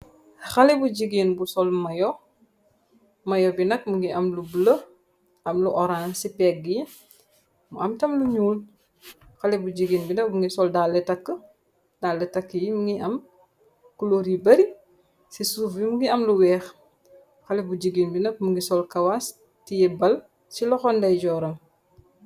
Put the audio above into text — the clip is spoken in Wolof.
Xale bu jigeen bu sol mayo mayo bi nag mugi am lu bulo am lu orance ci pegg yi am tam lu ñuul xale bu jigeen bi nak mogi sol daali taka daali takka yi mogi am kulóor yi bari ci suuf mogi am lu weex xale bu jigeen bi nag mugi sol kawaas tiye baal ci loxo ndey jooram.